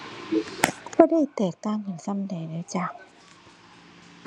บ่ได้แตกต่างกันส่ำใดเลยจ้ะ